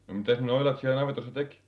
no mitäs ne noidat siellä navetassa teki